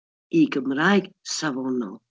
i Gymraeg safonol.